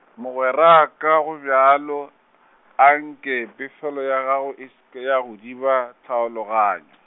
mogweraka gobjalo, anke pefelo ya gago e se ke ya go diba tlhaloga- .